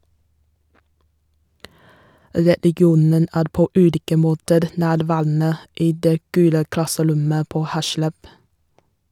Religionen er på ulike måter nærværende i det gule klasserommet på Hersleb.